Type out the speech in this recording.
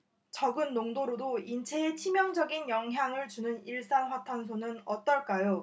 적은 농도로도 인체에 치명적인 영향을 주는 일산화탄소는 어떨까요